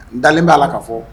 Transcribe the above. Dalen b bɛa la ka fɔ